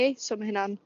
so ma' hynna'n